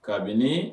Kabini